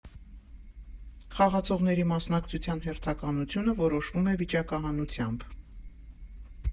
Խաղացողների մասնակցության հերթականությունը որոշվում է վիճակահանությամբ։